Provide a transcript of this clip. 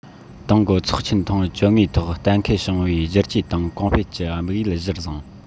ཏང གི ཚོགས ཆེན ཐེངས བཅོ ལྔ པའི ཐོག གཏན ཁེལ བྱུང བའི བསྒྱུར བཅོས དང གོང སྤེལ གྱི དམིགས ཡུལ གཞིར བཟུང